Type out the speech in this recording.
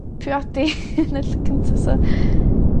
priodi yn y lle cynta so.